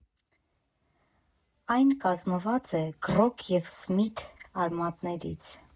Այն կազմված է «գռոկ» և «սմիթ» արմատներից։